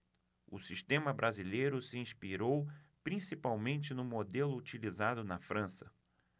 o sistema brasileiro se inspirou principalmente no modelo utilizado na frança